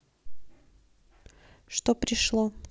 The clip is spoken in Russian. что пришло